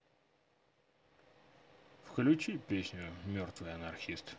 включи песню мертвый анархист